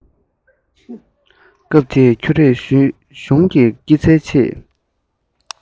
ཁྱོད རིག གཞུང གི སྐྱེད ཚལ ཆེད